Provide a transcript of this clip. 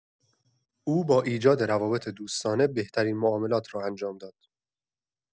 او با ایجاد روابط دوستانه، بهترین معاملات را انجام داد.